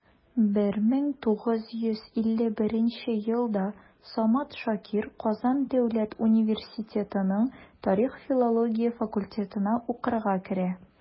1951 елда самат шакир казан дәүләт университетының тарих-филология факультетына укырга керә.